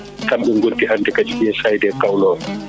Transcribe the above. kamɓe gonti hannde kadi USAID Caolor